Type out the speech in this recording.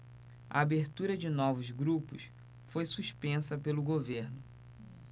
a abertura de novos grupos foi suspensa pelo governo